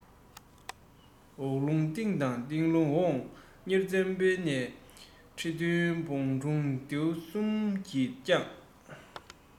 འོག རླུང སྟེང དང སྟེང རླུང འོག གཉའ ཁྲི བཙན པོ ནས ཁྲི ཐོག བོན སྒྲུང ལྡེའུ གསུམ གྱིས བསྐྱངས